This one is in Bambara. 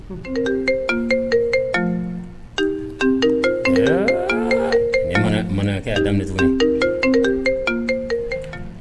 Mana ka daminɛugu